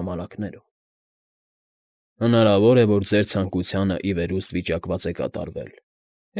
Ժամանակներում… ֊ Հնարավոր է, որ ձեր ցանկությանը ի վերուստ վիճակված է կատարվել,